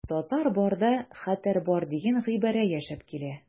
Татар барда хәтәр бар дигән гыйбарә яшәп килә.